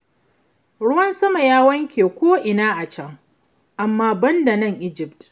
Ruwan sama ya wanke ko'ina a can, amma ban da anan Egypt.